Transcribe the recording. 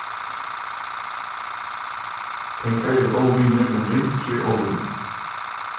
pengar eru góðir vinir men ringir óvinir